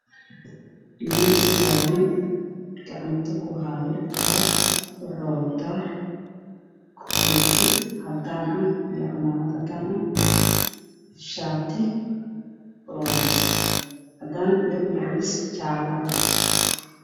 Meeshaan waxaa ka muuqdo nin gacanta ku hayo kitaab